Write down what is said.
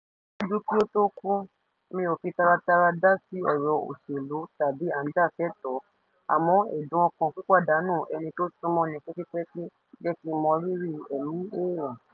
Ṣáájú kí ó tóó kú, Mi ò fi taratara dá sí ọ̀rọ̀ òṣèlú tàbí à ń jà fẹ́tọ̀ọ́, àmọ́ ẹ̀dùn ọ̀kàn pípàdánù ẹni tó súnmọ ni pẹ́kípẹ́kí jẹ́ kí n mọ rírí ẹ̀mí eèyàn.